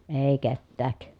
ei ketään